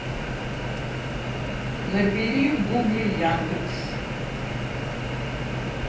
набери в гугле яндекс